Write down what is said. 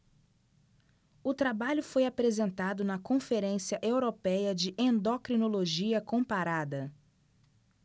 o trabalho foi apresentado na conferência européia de endocrinologia comparada